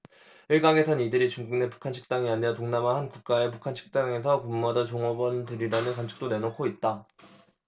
일각에선 이들이 중국내 북한 식당이 아니라 동남아 한 국가의 북한 식당에서 근무하던 종업원들이라는 관측도 내놓고 있다